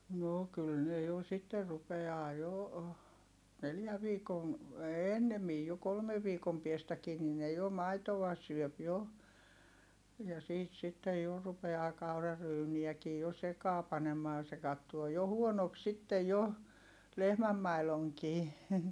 no kyllä ne jo sitten rupeaa jo neljän viikon ennemmin jo kolmen viikon päästäkin niin ne jo maitoa syö jo ja siitä sitten jo rupeaa kauraryyniäkin jo sekaan panemaan se katsoo jo huonoksi sitten jo lehmänmaidonkin